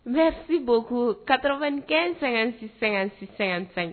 Merci beaucoup 75 56 56 55